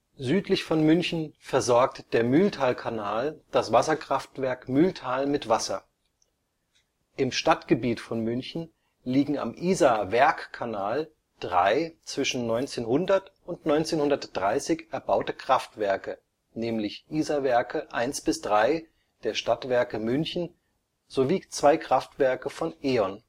Südlich von München versorgt der Mühltalkanal das Wasserkraftwerk Mühltal mit Wasser. Im Stadtgebiet von München liegen am Isar-Werkkanal drei zwischen 1900 und 1930 erbaute Kraftwerke (Isarwerke 1 – 3) der Stadtwerke München sowie zwei Kraftwerke von E.ON